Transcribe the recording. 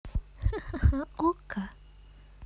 ахаха okko